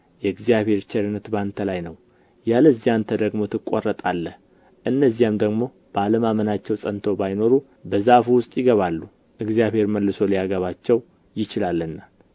የእግዚአብሔር ቸርነት በአንተ ላይ ነው ያለዚያ አንተ ደግሞ ትቆረጣለህ እነዚያም ደግሞ በአለማመናቸው ጸንተው ባይኖሩ በዛፉ ውስጥ ይገባሉ እግዚአብሔር መልሶ ሊያገባቸው ይችላልና